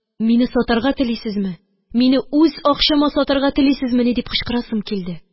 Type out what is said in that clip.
«мине сатарга телисезме, мине үз акчама сатарга телисезмени?» – дип кычкырасым килде